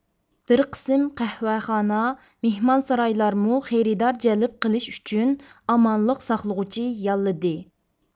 بىر قىسىم قەھۋەخانا مىھمانسارايلارمۇ خېرىدار جەلپ قىلىش ئۈچۈن ئامانلىق ساقلىغۇچى ياللىدى